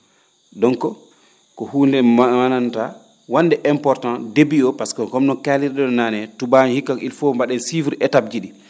donc ko hunnde ma ngandantaa wa?nde imprtant début o pasque comme no kaalir ?en naane tubaaño hikka il faut mba?en suivre étape ji ?ii